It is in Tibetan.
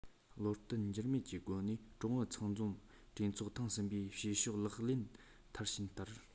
བློ བརྟན འགྱུར མེད ཀྱི སྒོ ནས ཀྲུང ཨུ ཚང འཛོམས གྲོས ཚོགས ཐེངས གསུམ པའི བྱེད ཕྱོགས ལག ལེན མཐར ཕྱིན བསྟར